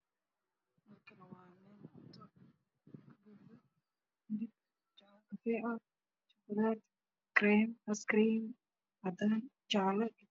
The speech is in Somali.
Waa saxan waxaa ku jira keek cadaan qaxwi madow